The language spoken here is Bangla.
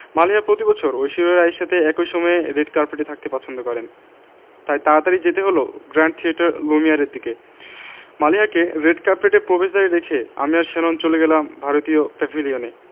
মালিহা প্রতিবছর ঐশ্বরিয়া রাই এর সাথে একই সময়ে রেড কার্পেটে থাকতে পছন্দ করেন তাই তাড়াতাড়ি যেতে হলো গ্র্যান্ড থিয়েটার লুমিয়ারের দিকে মালিহাকে রেড কার্পেটের প্রবেশদ্বারে রেখে আমি আর শ্যানন চলে গেলাম ভারতীয় প্যাভিলিয়নে